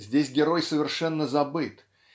Здесь герой совершенно забыт